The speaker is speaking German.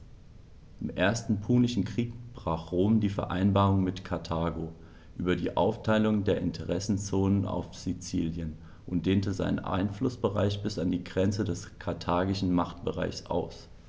Im Ersten Punischen Krieg brach Rom die Vereinbarung mit Karthago über die Aufteilung der Interessenzonen auf Sizilien und dehnte seinen Einflussbereich bis an die Grenze des karthagischen Machtbereichs aus.